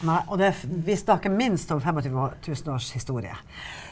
og det vi snakker minst om 25 år 1000 års historie.